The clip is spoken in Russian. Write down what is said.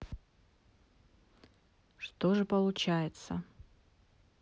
что же получается